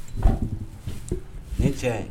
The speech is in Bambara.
Ni cɛ